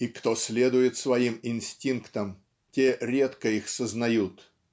и кто следует своим инстинктам, те редко их сознают.